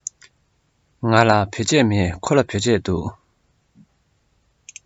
ང ལ བོད ཆས མེད ཁོ ལ བོད ཆས འདུག